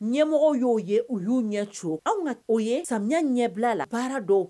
Ɲɛmɔgɔ y'o ye u y'o ɲɛcogo anw ka o ye samiya ɲɛ bila la baara don